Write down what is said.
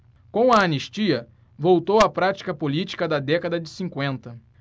com a anistia voltou a prática política da década de cinquenta